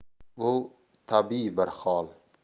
bu tabiiy bir hol